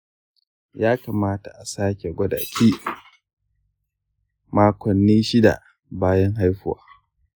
ya kamata a sake gwada ki makonni shida bayan haihuwa.